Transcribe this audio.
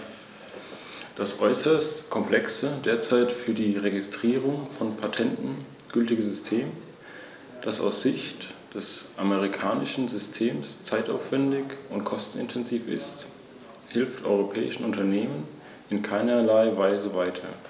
Was uns jedoch schwer zu schaffen macht, ist die Tatsache, dass die Gewährung von Unterstützung im Rahmen der Strukturfonds in gewisser Weise als Erfolg der Regierung verbucht wird.